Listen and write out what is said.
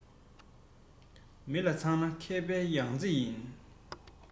ཞིམ པོའི ཟ ཚོད འཇམ པོའི གྱོན ཚོད རྣམས